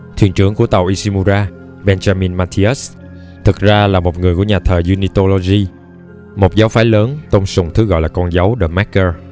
thuyền trưởng của tàu tàu ishimura benjamin mathius thực ra là một người của nhà thờ unitology một giáo phái lớn tôn sùng thứ gọi là con dấu the marker